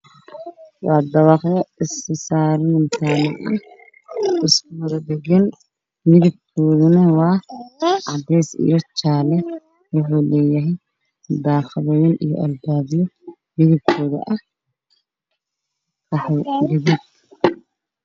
Waa dabaqyo isi saaran midabkoda waa cadees iyo jaalo